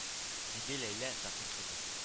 Диде ләйлә заһир кызы